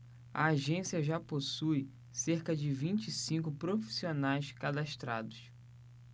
a agência já possui cerca de vinte e cinco profissionais cadastrados